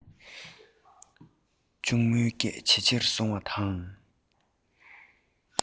གཅུང མོའི ངུ སྐད ཇེ ཆེར སོང བ དང